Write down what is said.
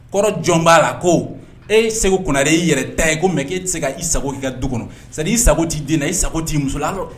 Kɔrɔ jɔn b'a la ko e segu kunnanare y'i yɛrɛ da ye ko mɛ e tɛ se ka i sago' ka du kɔnɔ sa' i sago t'i den i sago t'i musola la